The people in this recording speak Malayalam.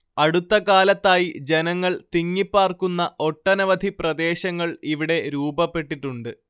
അടുത്തകാലത്തായി ജനങ്ങൾ തിങ്ങിപ്പാർക്കുന്ന ഒട്ടനവധി പ്രദേശങ്ങൾ ഇവിടെ രൂപപ്പെട്ടിട്ടുണ്ട്